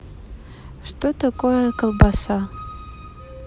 что такое колбаса